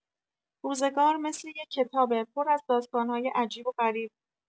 روزگار مثل یه کتابه، پر از داستان‌های عجیب و غریب.